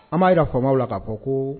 An b'a jira faamaw la k'a fɔ ko